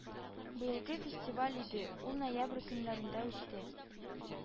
Быелгы фестиваль иде, ул ноябрь көннәрендә үтте